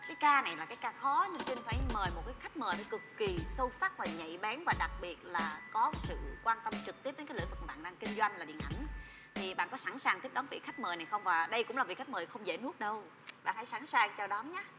cái ca này là cái ca khó chứ không phải mời một khách mời cực kỳ sâu sắc và nhạy bén và đặc biệt là có sự quan tâm trực tiếp đến cái lĩnh vực bạn kinh doanh là điện ảnh thì bạn có sẵn sàng tiếp đón vị khách mời này không ạ đây cũng là vị khách mời không dễ nuốt đâu bạn hãy sẵn sàng chào đón